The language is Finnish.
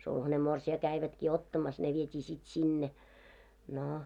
sulhanen morsian kävivätkin ottamassa ne vietiin sitten sinne no